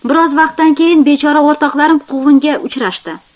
bir oz vaqtdan keyin bechora o'rtoqlarim quvg'inga uchrashdi